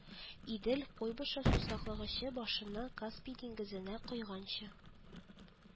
Идел, Куйбышев сусаклагычы башыннан Каспий диңгезенә койганчы